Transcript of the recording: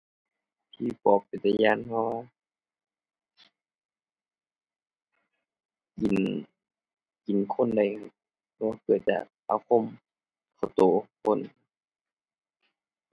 ผีปอบเป็นตาย้านเพราะ กิน กินคนได้ เพราะว่าเกิดจากอาคมเข้าตัวคน